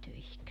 töihin